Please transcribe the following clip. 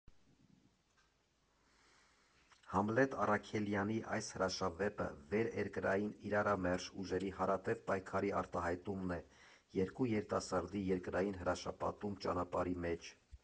Համլետ Առաքելյանի այս հրաշավեպը վերերկրային իրարամերժ ուժերի հարատև պայքարի արտահայտումն է՝ երկու երիտասարդի երկրային հրաշապատում ճանապարհի մեջ։